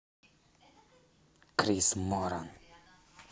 крис моран